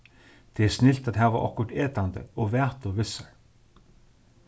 tað er snilt at hava okkurt etandi og vætu við sær